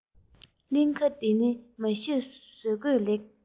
གླིང ག འདི ནི མ གཞིར བཟོ བཀོད ལེགས